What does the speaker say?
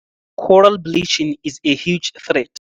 Coral bleaching is a huge threat.